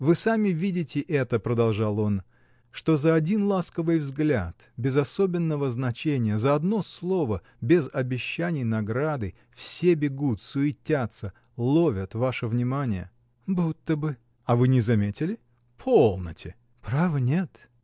— Вы сами видите это, — продолжал он, — что за один ласковый взгляд, без особенного значения, за одно слово, без обещаний награды, все бегут, суетятся, ловят ваше внимание. — Будто бы? — А вы не заметили? Полноте! — Право, нет.